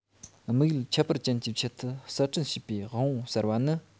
དམིགས ཡུལ ཁྱད པར ཅན གྱི ཆེད དུ གསར སྐྲུན བྱས པའི དབང པོ གསར པ ནི